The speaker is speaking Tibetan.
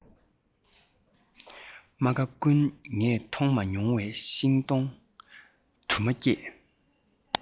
མུ ཁ ཀུན ཏུ ངས མཐོང མ མྱོང བའི ཤིང སྡོང དུ མ སྐྱེས